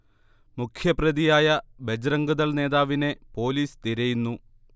മുഖ്യപ്രതിയായ ബജ്റങ്ദൾ നേതാവിനെ പോലീസ് തിരയുന്നു